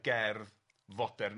y gerdd fodern,